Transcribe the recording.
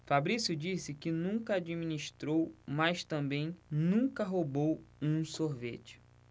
fabrício disse que nunca administrou mas também nunca roubou um sorvete